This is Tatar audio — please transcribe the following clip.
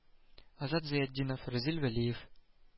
Азат Зыятдинов, Разил Вәлиев